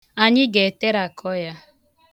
Anyị ga-eterakọ ya.